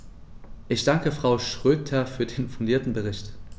Ich danke Frau Schroedter für den fundierten Bericht.